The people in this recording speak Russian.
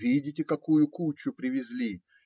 Видите, какую кучу привезли.